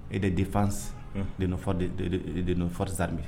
E de de fa desarime